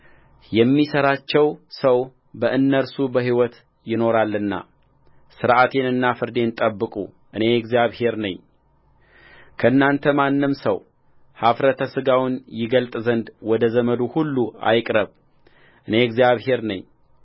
የሚሠራቸው ሰው በእነርሱ በሕይወት ይኖራልና ሥርዓቴንና ፍርዴን ጠብቁ እኔ እግዚአብሔር ነኝከእናንተም ማንም ሰው ኃፍረተ ሥጋውን ይገልጥ ዘንድ ወደ ዘመዱ ሁሉ አይቅረብ እኔ እግዚአብሔር ነኝ